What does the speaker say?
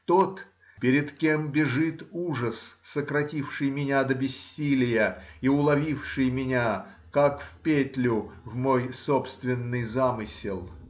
тот, перед кем бежит ужас, сокративший меня до бессилия и уловивший меня, как в петлю, в мой собственный замысл.